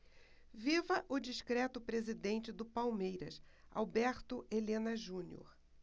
viva o discreto presidente do palmeiras alberto helena junior